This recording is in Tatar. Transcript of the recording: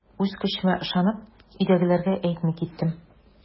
Үз көчемә ышанып, өйдәгеләргә әйтми киттем.